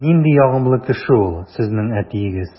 Нинди ягымлы кеше ул сезнең әтиегез!